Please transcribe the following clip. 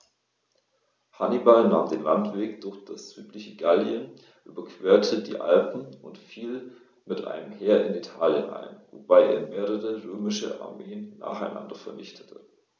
Hannibal nahm den Landweg durch das südliche Gallien, überquerte die Alpen und fiel mit einem Heer in Italien ein, wobei er mehrere römische Armeen nacheinander vernichtete.